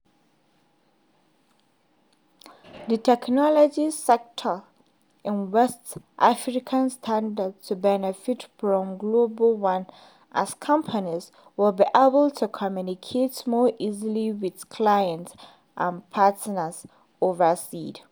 The technology sector in West Africa stands to benefit from Glo-1 as companies will be able to communicate more easily with clients and partners overseas.